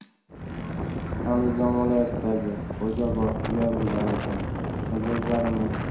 andijon viloyatidagi xo'jaobod filiallarida mijozlarimizga birdek